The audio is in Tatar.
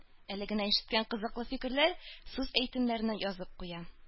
Әле генә ишеткән кызыклы фикерләр, сүз-әйтемнәрне язып куя